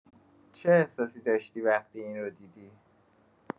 چه احساسی داشتی وقتی این رو دیدی؟